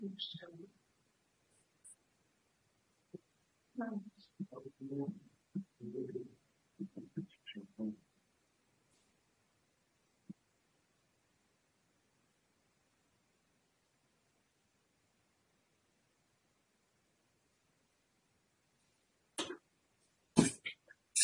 Rwy'n siwr.